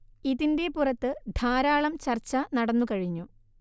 ഇതിന്റെ പുറത്ത് ധാരാളം ചർച്ച നടന്നു കഴിഞ്ഞു